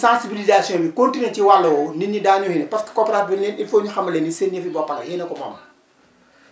sensibilisation bi continué ci wàll woowu nit ñi daañu génne parce que coopérative bi il faut ñu xamal leen ni seen yëfi bopp la yéen a ko moom